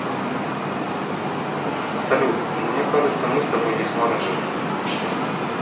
салют мне кажется мы с тобой не сможем дружить